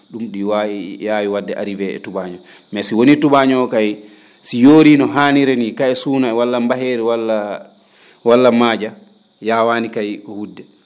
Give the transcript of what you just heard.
?um ?i waawi yaawi wa?de arrivé e tubaañoo mais si wonii tubaaño kay si yooriino haaniri ni ka e suuna walla mbaheeri walla walla maaja yaawaani kay ko wu?de